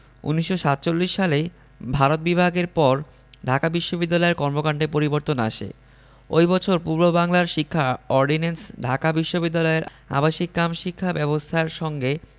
১৯৪৭ সালে ভারত বিভাগের পর ঢাকা বিশ্ববিদ্যালয়ের কর্মকান্ডে পরিবর্তন আসে ওই বছর পূর্ববাংলার শিক্ষা অর্ডিন্যান্স ঢাকা বিশ্ববিদ্যালয়ের আবাসিক কাম শিক্ষা ব্যবস্থার সঙ্গে